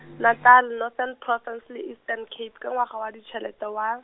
Natal Northern Province le Eastern Cape ka ngwaga wa ditšhelete wa.